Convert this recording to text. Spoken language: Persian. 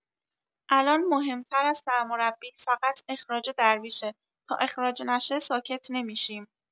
الان مهم‌تر از سرمربی فقط اخراج درویشه تا اخراج نشه ساکت نمی‌شیم.